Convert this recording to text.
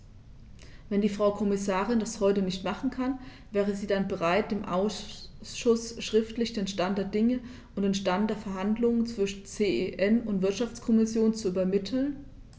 Wenn die Frau Kommissarin das heute nicht machen kann, wäre sie dann bereit, dem Ausschuss schriftlich den Stand der Dinge und den Stand der Verhandlungen zwischen CEN und Wirtschaftskommission zu übermitteln?